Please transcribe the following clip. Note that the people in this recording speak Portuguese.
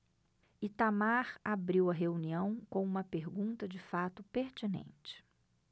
itamar abriu a reunião com uma pergunta de fato pertinente